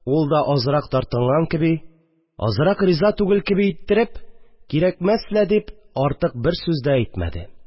Ул да, азрак тартынган кеби, азрак риза түгел кеби иттереп, «кирәкмәс лә» дип, артык бер сүз дә әйтмәде